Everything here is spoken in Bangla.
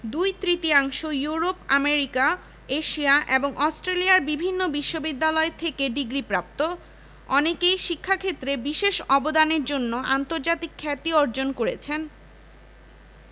বাংলাপিডিয়া থেকে সংগৃহীত লিখেছেন মাসুদ হাসান চৌধুরী শেষ পরিবর্তনের সময় ২২ ফেব্রুয়ারি ২০১৫ ১০ টা ৫৭ মিনিট